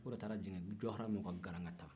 o de taara jigin jawɔrɔmɛw kan garankata